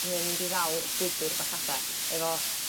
on' mae o mynd i ddal bwydwr bach adar efo